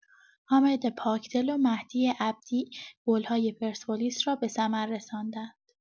حامد پاکدل و مهدی عبدی گل‌های پرسپولیس را به ثمر رساندند.